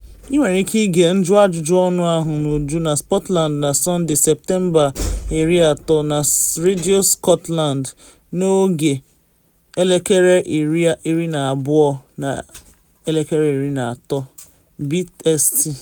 Ị nwere ike ịge njụajụjụ ọnụ ahụ n’uju na Sportsound na Sọnde, Septemba 30, na Radio Scotland n’oge 12:00 na 13:00 BST